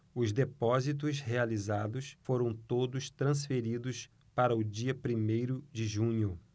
os depósitos realizados foram todos transferidos para o dia primeiro de junho